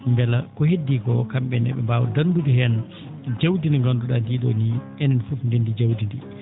mbela ko heddii ko kam?e ne ?e mbaawa dandude heen jawdi ndi nganndu?aa ndi ?oo ni enen fof ndeendi jawdi ndii